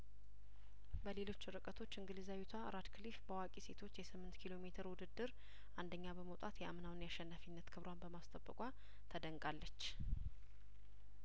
በሌሎች ርቀቶች እንግሊዛዊቷ ራድክሊፍ በአዋቂ ሴቶች የስምንት ኪሎ ሜትር ውድድር አንደኛ በመውጣት የአምናውን ያሸናፊነት ክብሯን በማስጠበቋ ተደንቃለች